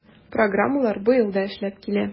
Программалар быел да эшләп килә.